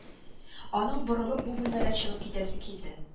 Аның борылып бу бүлмәдән чыгып китәсе килде